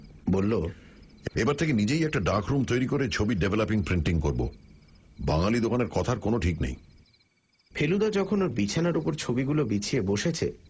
বলল এবার থেকে নিজেই একটা ডার্করুম তৈরি করে ছবি ডেভেলপিং প্রিন্টিং করব বাঙালি দোকানের কথার কোনও ঠিক নেই ফেলুদা যখন ওর বিছানার ওপর ছবিগুলো বিছিয়ে বসেছে